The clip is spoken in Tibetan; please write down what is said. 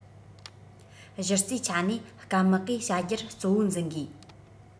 གཞི རྩའི ཆ ནས སྐམ དམག གིས བྱ རྒྱུར གཙོ བོ འཛིན དགོས